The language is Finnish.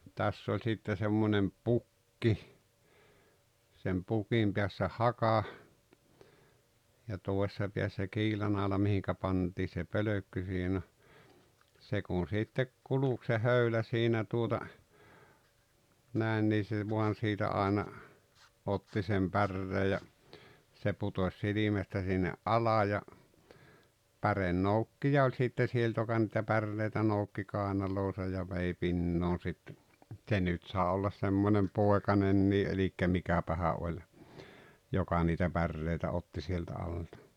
tässä oli sitten semmoinen pukki sen pukin päässä haka ja toisessa päässä kiilanaula mihin pantiin se pölkky siihen on se kun sitten kulki se höylä siinä tuota näin niin se vain siitä aina otti sen päreen ja se putosi silmästä sinne alas ja pärenoukkija oli sitten sieltä joka niitä parrelta noukki kainaloonsa ja vei pinoon sitten se nyt sai olla semmoinen poikanen eli mikähän oli joka niitä päreitä otti sieltä alta